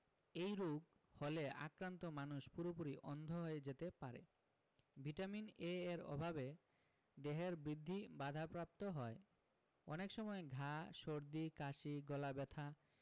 এই রোগ হলে আক্রান্ত মানুষ পুরোপুরি অন্ধ হয়ে যেতে পারে ভিটামিন A এর অভাবে দেহের বৃদ্ধি বাধাপ্রাপ্ত হয় অনেক সময় ঘা সর্দি কাশি গলাব্যথা